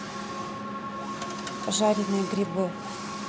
жаренные грибы